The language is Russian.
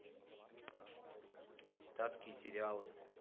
датские сериалы